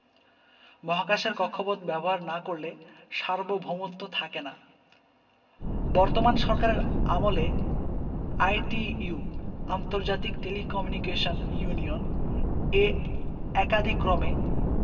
মহাকাশের কক্ষপথ ব্যবহার না করলে সার্বভৌমত্ব থাকে না বর্তমান সরকারের আমলে আইটিইউ আন্তর্জাতিক টেলিকমিউনিকেশন ইউনিয়ন এ একাদিক্রমে